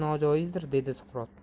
atash nojoizdir deydi suqrot